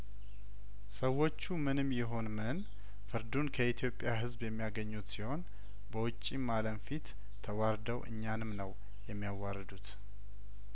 ሰዎቹምንም ይሁንምን ፍርዱን ከኢትዮጵያ ህዝብ የሚያገኙት ሲሆን በውጭም አለም ፊት ተዋርደው እኛንም ነው የሚያዋር ዱት